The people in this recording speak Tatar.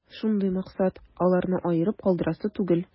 Шундый максат: аларны аерып калдырасы түгел.